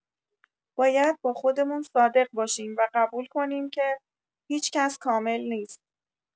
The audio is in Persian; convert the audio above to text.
باید با خودمون صادق باشیم و قبول کنیم که هیچ‌کس کامل نیست.